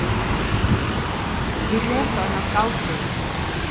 vit lesa eina skaldsøgu